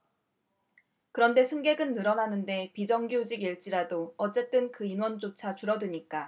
그런데 승객은 늘어나는데 비정규직일지라도 어쨌든 그 인원조차 줄어드니까